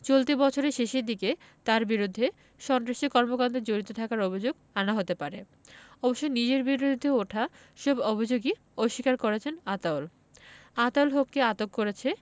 চলতি বছরের শেষের দিকে তাঁর বিরুদ্ধে সন্ত্রাসী কর্মকাণ্ডে জড়িত থাকার অভিযোগ আনা হতে পারে অবশ্য নিজের বিরুদ্ধে ওঠা সব অভিযোগই অস্বীকার করেছেন আতাউল আতাউল হককে আটক করেছে